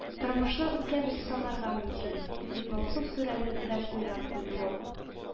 Тормышны үткән дип санарга мөмкин,—дип моңсу сүрәнлек белән уйлап куйды ул